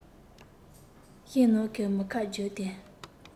ཞིང ནང གི མུ ཁ བརྒྱུད དེ